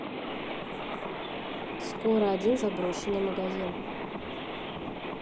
скоро один заброшенный магазин